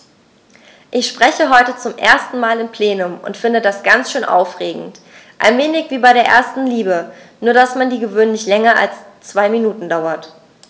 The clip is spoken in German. Ich spreche heute zum ersten Mal im Plenum und finde das ganz schön aufregend, ein wenig wie bei der ersten Liebe, nur dass die gewöhnlich länger als zwei Minuten dauert.